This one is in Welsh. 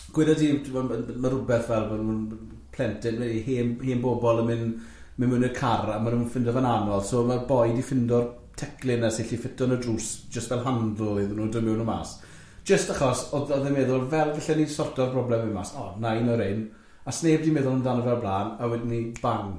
Gweda di ma' ma' rywbeth fel bod nhw'n plentyn neu hen hen bobl yn mynd mynd mewn i'r car a ma' nhw'n ffindo fe'n anodd, so ma'r boi di ffindo'r teclyn na sy'n gallu ffitio yn y drws jyst fel handle iddyn nhw dod mewn a mas, jyst achos odd oedd yn meddwl, fel falle ni sorto'r broblem i mas, o, na un o'r un, a sneb di meddwl amdano fe o'r blaen, a wedyn ni, bang.